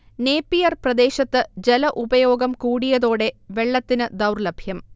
Napier പ്രദേശത്ത് ജലഉപയോഗം കൂടിയതോടെ വെള്ളത്തിന് ദൗർലഭ്യം